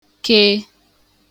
ke